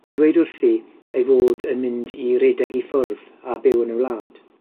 Mae'n dweud wrthi ei fod yn mynd i redeg i ffwrdd a byw yn y wlad.